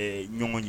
Ɛɛ ɲɔgɔn ye